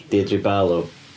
Deirdre Barlow.